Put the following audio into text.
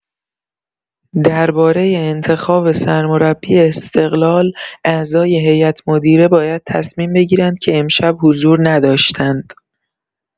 درباره انتخاب سرمربی استقلال اعضای هیئت‌مدیره باید تصمیم بگیرند که امشب حضور نداشتند.